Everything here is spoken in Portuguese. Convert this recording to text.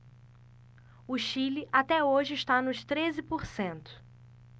o chile até hoje está nos treze por cento